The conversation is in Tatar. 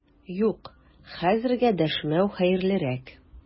Юк, хәзергә дәшмәү хәерлерәк!